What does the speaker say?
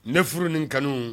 Ne furu nin kanu